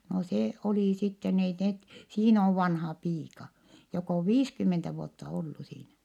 no se oli sitten ei ne siinä on vanha piika joka on viisikymmentä vuotta ollut siinä